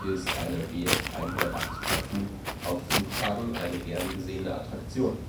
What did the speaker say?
ist eine Bf 108 „ Taifun “auf Flugtagen eine gerne gesehene Attraktion